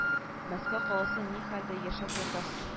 Мәскәү каласы ни хәлдә яшәп ята соң